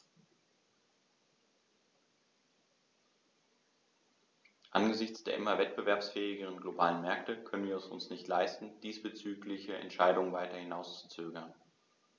Angesichts der immer wettbewerbsfähigeren globalen Märkte können wir es uns nicht leisten, diesbezügliche Entscheidungen weiter hinauszuzögern.